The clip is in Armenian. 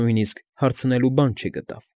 Նույնիսկ հարցնելու բան չգտավ։